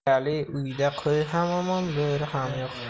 qariyali uyda qo'y ham omon bo'ri ham yo'q